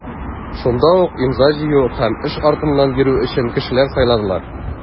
Шунда ук имза җыю һәм эш артыннан йөрү өчен кешеләр сайладылар.